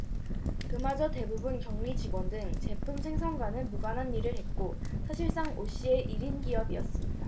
그마저 대부분 경리직원 등 제품 생산과는 무관한 일을 했고 사실상 오 씨의 일 인 기업이었습니다